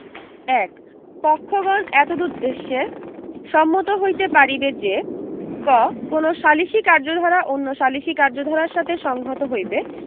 ১ পক্ষগণ এতদুদ্দেশ্যে সম্মত হইতে পারিবে যে ক কোন সালিসী কার্যধারা অন্য সালিসী কার্যধারার সাথে সংহত হইবে